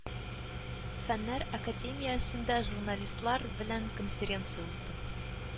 Фәннәр академиясендә журналистлар белән конференция узды.